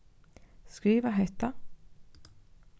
skriva hetta